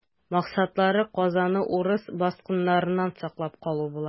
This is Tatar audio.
Максатлары Казанны урыс баскыннарыннан саклап калу була.